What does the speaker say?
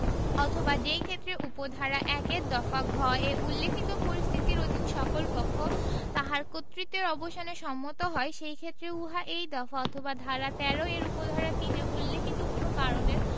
অথবা যেইক্ষেত্রে উপ ধারা ১ এর দফা ঘ এ উল্লেখিত পরিস্থিতির অধীন সকল পক্ষ তাহার কর্তৃত্বের অবসানে সম্মত হয় সেইক্ষেত্রে উহা এই দফা অথবা ধারা ১৩ এর উপ ধারা ৩ এ উল্লেখিত কোন কারণের